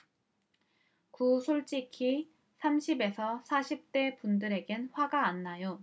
구 솔직히 삼십 에서 사십 대 분들에겐 화가 안 나요